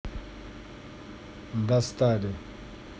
достали